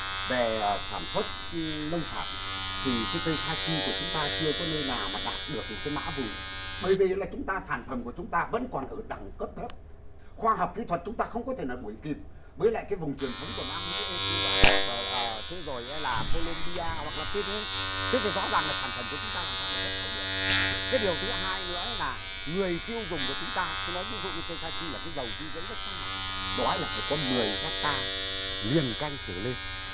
về sản xuất nông sản thì cái cây sa chi của chúng ta chưa có nơi nào mà đạt được một cái mã vùng bởi vì là chúng ta sản phẩm của chúng ta vẫn còn ở đẳng cấp thấp khoa học kỹ thuật chúng ta không có thể nào đuổi kịp với lại cái vùng truyền thống của nam mỹ e cu a đo bờ à thế rồi á là cô lôm bi a hoặc là pê ru thế thì rõ ràng là sản phẩm của chúng ta làm sao mà xuất khẩu được cái điều thứ hai nữa ấy là người tiêu dùng của chúng ta tôi nói ví dụ như cây sa chi là cây giàu dinh dưỡng rất cao đó là phải có mười héc ta liền canh trở lên